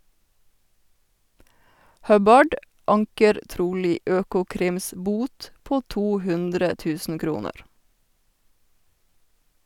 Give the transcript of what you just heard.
Hubbard anker trolig Økokrims bot på 200.000 kroner.